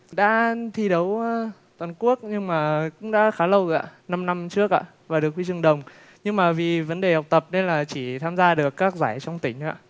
đã thi đấu toàn quốc nhưng mà cũng đã khá lâu rồi ạ năm năm trước ạ và được huy chương đồng nhưng mà vì vấn đề học tập nên là chỉ tham gia được các giải trong tỉnh thôi ạ